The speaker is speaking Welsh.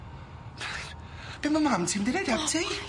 Be ma' mam ti mynd i neud 'eb ti?